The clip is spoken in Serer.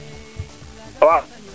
waw